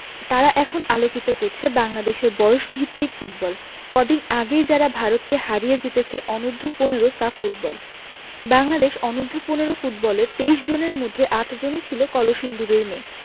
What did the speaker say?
তারা এখন আলোকিত করছে বাংলাদেশের বয়সভিত্তিক ফুটবল কদিন আগেই যারা ভারতকে হারিয়ে জিতেছে অনূর্ধ্ব ১৫ সাফ ফুটবল বাংলাদেশ অনূর্ধ্ব ১৫ ফুটবলের ২৩ জনের মধ্যে ৮ জনই ছিল কলসিন্দুরের মেয়ে